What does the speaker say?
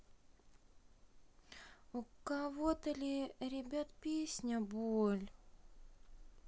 у кого то ли ребят песня боль